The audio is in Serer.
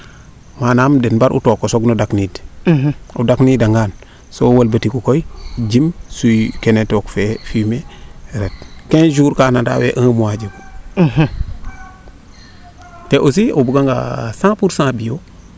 manaam den mbaru took o soog no dak niid o dak niida ngaan so wolba diku koy jim suuy kene took fee fumier :fraret 15 jours kaana nanda wee un mois jegu te aussi o buga nga cent pourcent bio